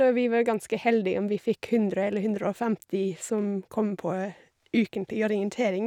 Og vi var ganske heldig om vi fikk hundre eller hundre og femti som kom på ukentlig orientering.